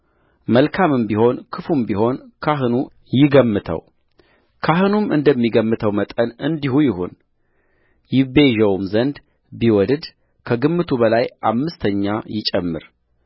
መልካምም ቢሆን ክፉም ቢሆን ካህኑ ይገምተው ካህኑም እነሚገምተው መጠን እንዲሁ ይሁንይቤዠውም ዘንድ ቢወድድ ከግምቱ በላይ አምስተኛ ይጨምር